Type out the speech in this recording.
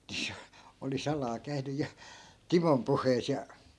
niin se oli salaa käynyt ja Timon puheissa ja